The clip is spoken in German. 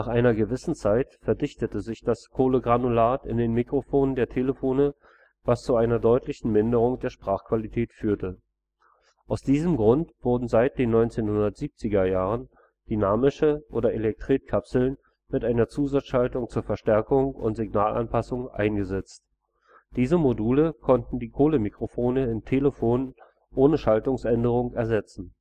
einer gewissen Zeit verdichtete sich das Kohlegranulat in den Mikrofonen der Telefone was zu einer deutlichen Minderung der Sprachqualität führte. Aus diesem Grund wurden seit den 1970er Jahren dynamische oder Elektret - Kapseln mit einer Zusatzschaltung zur Verstärkung und Signalanpassung eingesetzt. Diese Module konnten die Kohlemikrofone in Telefonen ohne Schaltungsänderung ersetzen